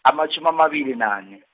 amatjhumi amabili nanye.